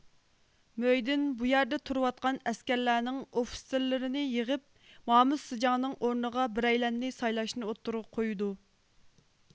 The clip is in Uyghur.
مۆيدىن بۇيەردە تۇرۇۋاتقان ئەسكەرلەرنىڭ ئوفىتسېرلىرىنى يىغىپ مامۇت سىجاڭنىڭ ئورنىغا بىرەيلەننى سايلاشنى ئوتتۇرىغا قويىدۇ